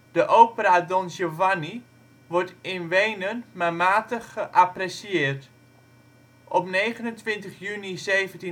De opera Don Giovanni wordt in Wenen maar matig geapprecieerd. Op 29 juni 1788 sterft